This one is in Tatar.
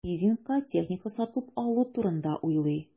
Лизингка техника сатып алу турында уйлый.